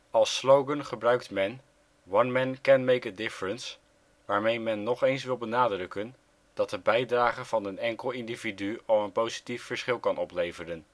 Als slogan gebruikt men " oneMen can make a difference, " waarmee men nog eens wil benadrukken dat de bijdrage van een enkel individu al een positief verschil kan opleveren